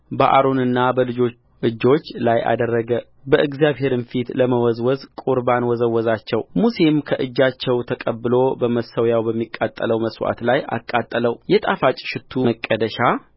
በአሮንና በልጆቹ እጆች ላይ አደረገ በእግዚአብሔርም ፊት ለመወዝወዝ ቍርባን ወዘወዛቸውሙሴም ከእጃቸው ተቀብሎ በመሠዊያው በሚቃጠለው መሥዋዕት ላይ አቃጠለው የጣፋጭ ሽታ መቀደሻ